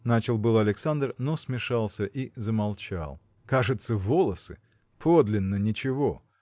– начал было Александр, но смешался и замолчал. – Кажется, волосы! Подлинно ничего!